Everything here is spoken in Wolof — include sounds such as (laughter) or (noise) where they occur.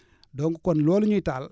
(breath) donc kon loolu ñuy taal